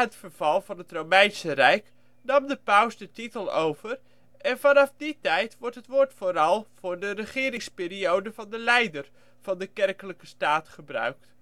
verval van het Romeinse Rijk nam de paus de titel over en vanaf die tijd wordt het woord vooral voor de regeringsperiode van de leider van de Kerkelijke Staat gebruikt